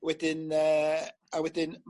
wedyn yy a wedyn